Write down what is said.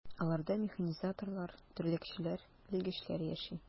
Аларда механизаторлар, терлекчеләр, белгечләр яши.